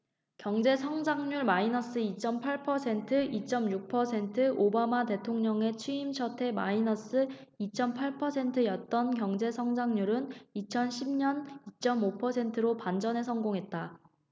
경제성장률 마이너스 이 쩜 팔 퍼센트 이 쩜 육 퍼센트 오바마 대통령의 취임 첫해 마이너스 이 쩜 팔 퍼센트였던 경제 성장률은 이천 십 년 이 쩜 오 퍼센트로 반전에 성공했다